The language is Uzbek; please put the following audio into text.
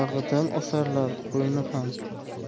oyog'idan osarlar qo'yni ham